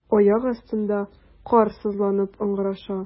Аяк астында кар сызланып ыңгыраша.